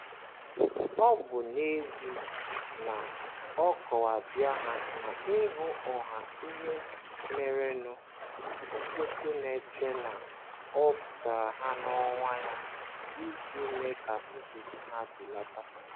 Ọ bụ ezie na ọ kọwabeghị n'ihu ọha ihe merenụ, ọtụtụ na-eche na o wepụrụ ha n'onwe ya iji mee ka nsogbu ahụ belata.